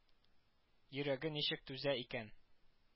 Йөрәге ничек түзә икән